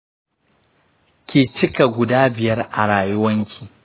ki cika guda biyar a rayuwanki.